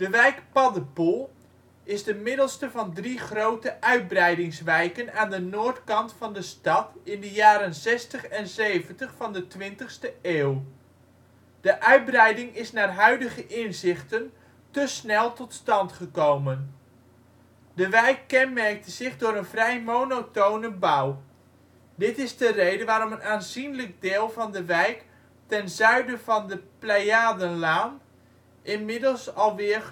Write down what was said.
wijk Paddepoel is de middelste van drie grote uitbreidingswijken aan de noordkant van de stad in de jaren zestig en zeventig van de twintigste eeuw. Die uitbreiding is naar huidige inzichten te snel tot stand gekomen. De wijk kenmerkte zich door een vrij monotone bouw. Dit is de reden waarom een aanzienlijk deel van de wijk ten zuiden van de Pleiadenlaan inmiddels al weer